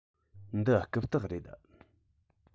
འདི རྐུབ སྟེགས རེད